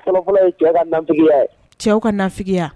cɛ ka cɛw ka naya